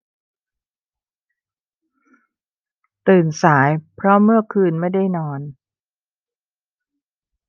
ตื่นสายเพราะเมื่อคืนไม่ได้นอน